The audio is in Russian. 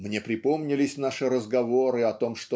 Мне припомнились наши разговоры о том